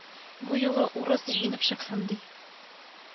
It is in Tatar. Бу юлы урыс җыенеп чыксын ди